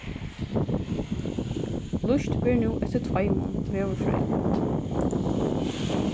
lýst verður nú eftir tveimum veðurfrøðingum